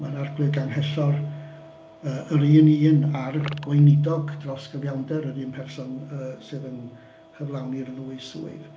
Ma'r arglwydd ganghellor yy yr un un â'r gweinidog dros gyfiawnder yr un person yy sydd yn cyflawni'r ddwy swydd.